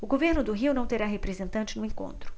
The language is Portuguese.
o governo do rio não terá representante no encontro